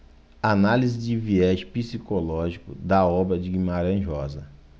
análise de viés psicológico da obra de guimarães rosa